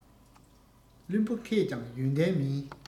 བླུན པོ མཁས ཀྱང ཡོན ཏན མིན